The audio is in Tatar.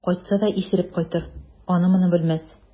Кайтса да исереп кайтыр, аны-моны белмәс.